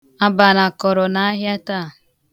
Abana kọrọ n'ahịa taa.